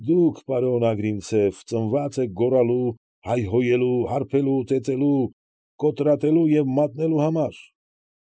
Դուք, պարոն Ագրինցև, ծնված եք գոռալու, հայհոյելու, հարբելու, ծեծելու, կոտրատելու և մատնելու համար։